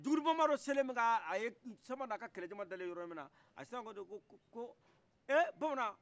jugudu bamaadɔ selen min kɛ a ye sambara n' a ka kɛlɛ jama dalen yɔrɔ min na a sinna k' i kan to ko ee bamanan